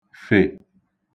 -fè